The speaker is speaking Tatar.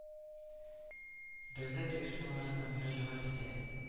Дәүләт оешмаларына мөрә әгать итә